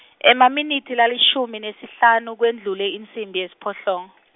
emaminitsi lalishumi nesihlanu kwendlule insimbi yesiphohlongo .